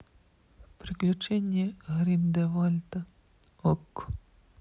приключения гриндевальда окко